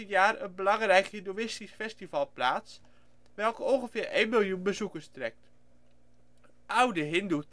jaar een belangrijk hindoeïstisch festival plaats, welke ongeveer 1 miljoen bezoekers trekt. Oude hindoe